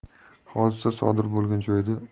hodisa sodir bo'lgan joyda og'ir